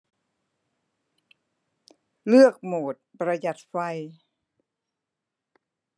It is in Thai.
เลือกโหมดประหยัดไฟ